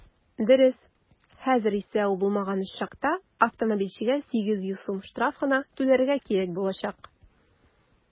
Дөрес, хәзер исә ул булмаган очракта автомобильчегә 800 сум штраф кына түләргә кирәк булачак.